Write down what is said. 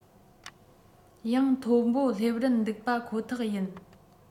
ཡང མཐོ པོ སླེབས རན འདུག པ ཁོ ཐག ཡིན